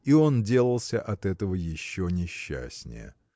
и он делался от этого еще несчастнее.